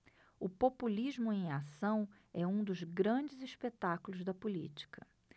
o populismo em ação é um dos grandes espetáculos da política